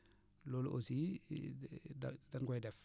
loolu aussi da da ñu koy def